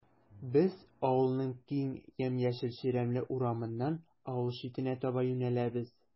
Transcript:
Без авылның киң, ямь-яшел чирәмле урамыннан авыл читенә таба юнәләбез.